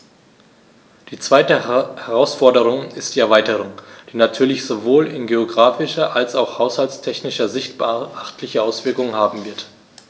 Die zweite Herausforderung ist die Erweiterung, die natürlich sowohl in geographischer als auch haushaltstechnischer Sicht beachtliche Auswirkungen haben wird.